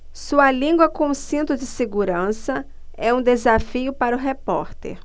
sua língua com cinto de segurança é um desafio para o repórter